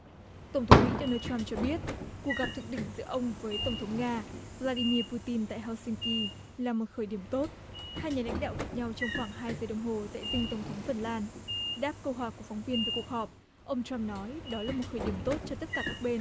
tổng thống mỹ đô nan trăm cho biết cuộc gặp thượng đỉnh giữa ông với tổng thống nga vờ la đi mia pu tin tại hau xinh ki là một khởi điểm tốt hai nhà lãnh đạo gặp nhau trong khoảng hai giờ đồng hồ tại dinh tổng thống phần lan đáp câu hỏi của phóng viên về cuộc họp ông trăm nói đó là một khởi điểm tốt cho tất cả các bên